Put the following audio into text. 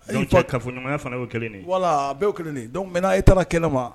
Ka fɔɲɔgɔnya fana ye kelen nin wala kelen mɛna i taara kɛnɛ ma